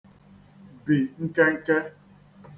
-bì nkenke